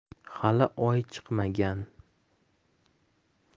hali oy chiqmagan